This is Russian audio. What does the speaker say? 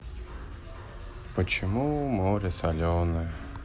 почему море соленое